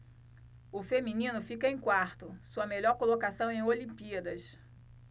o feminino fica em quarto sua melhor colocação em olimpíadas